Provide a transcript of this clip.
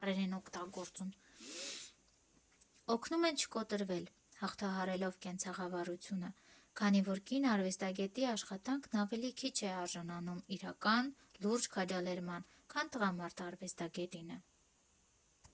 Օգնում են չկոտրվել՝ հաղթահարելով կենցաղավարությունը, քանի որ կին արվեստագետի աշխատանքն ավելի քիչ է արժանանում իրական, լուրջ քաջալերման, քան տղամարդ արվեստագետինը։